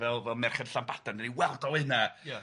...fel fel Merched Llanbadarn, 'dan ni'n weld o yna... Ia